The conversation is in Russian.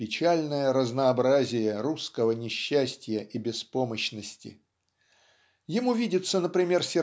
печальное разнообразие русского несчастья и беспомощности. Ему видится например